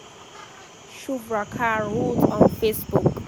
Shuvra Kar wrote on Facebook: